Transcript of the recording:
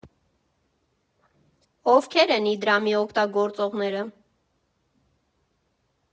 Ովքե՞ր են Իդրամի օգտագործողները։